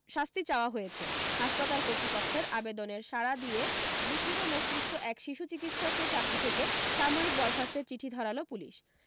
শাস্তি চাওয়া হয়েছে হাসপাতাল কর্তৃপক্ষের আবেদনের সাড়া দিয়ে বিকৃত মস্তিষ্ক এক শিশু চিকিৎসককে চাকরী থেকে সাময়িক বরখাস্তের চিঠি ধরালো পুলিশ